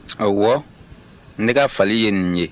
ɔwɔ ne ka fali ye nin ye